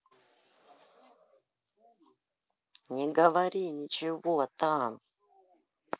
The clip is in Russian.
не говори ничего там